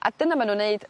a dyna ma' nw'n neud